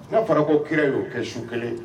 N'a fɔra ko kira y'o kɛ su kelen